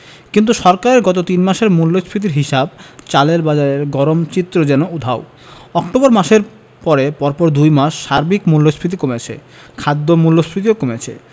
কিন্তু সরকারের গত তিন মাসের মূল্যস্ফীতির হিসাবে চালের বাজারের গরম চিত্র যেন উধাও অক্টোবর মাসের পরে পরপর দুই মাস সার্বিক মূল্যস্ফীতি কমেছে খাদ্য মূল্যস্ফীতিও কমেছে